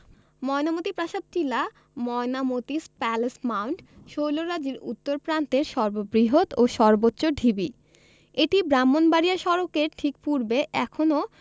ময়নামতী প্রাসাদ টিলা Mainamati's palace mound শৈলরাজির উত্তর প্রান্তের সর্ববৃহৎ ও সর্বোচ্চ ঢিবি এটি ব্রাহ্মণবাড়িয়া সড়কের ঠিক পূর্বে এখনও